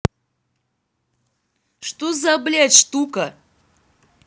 что за блядь штука